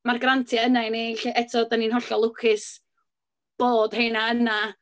Mae'r grantiau yna i ni, lle eto dan ni'n hollol lwcus bod heina yna.